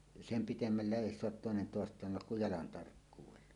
sen pidemmälle ei saa toinen toistaan tulla kuin jalan tarkkuudella